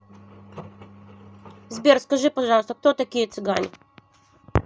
сбер скажи пожалуйста кто такие цыгане